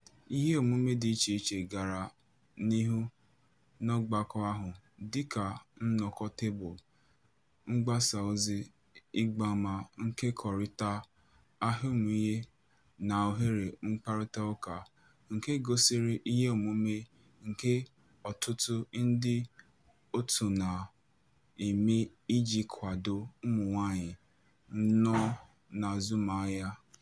Iheomume dị icheiche gara n'ihu n'ọgbakọ ahụ, dịka nnọkọ tebụl, mgbasaozi ịgbaama, nkekọrịta ahụmihe na ohere mkparịtaụka nke gosiri iheomume nke ọtụtụ ndị òtù na-eme iji kwado ụmụnwaanyị nọ n'azụmahịa.